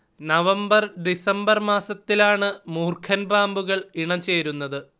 November December മാസത്തിലാണ് മൂർഖൻ പാമ്പുകൾ ഇണചേരുന്നത്